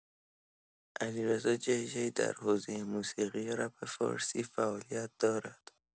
علیرضا جی‌جی در حوزه موسیقی رپ فارسی فعالیت دارد.